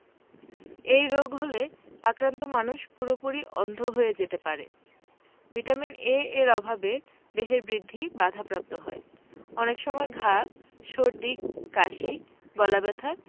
এই রোগ হলে আক্রান্ত মানুষ পুরোপুরি অন্ধ হয়ে যেতে পারে ভিটামিন A এর অভাবে দেহের বৃদ্ধি বাধাপ্রাপ্ত হয় অনেক সময় ঘা সর্দি কাশি গলাব্যথা